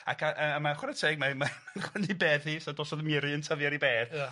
ac yy a mae chware teg mae mae'n chwynnu bedd hi so dos 'am' ddi miri yn tyfu ar ei bedd. Ia.